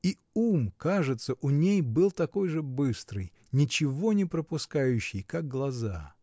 И ум, кажется, у ней был такой же быстрый, ничего не пропускающий, как глаза.